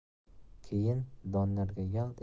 keyin doniyorga yalt